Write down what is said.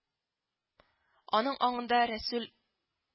Аның аңында Рәсүл